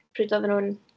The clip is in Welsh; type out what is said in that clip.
pryd oedden nhw'n...